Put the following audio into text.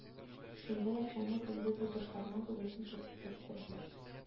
Шимбә-якшәмбе көнде бу ташларның күбесен тәртипкә китерелерде